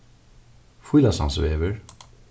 fílasandsvegur